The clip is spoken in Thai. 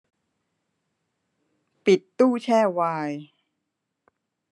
ปิดตู้แช่ไวน์